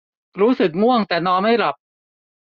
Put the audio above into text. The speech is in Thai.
รู้สึกง่วงแต่นอนไม่หลับ